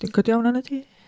'Di o'n codi ofn arna ti?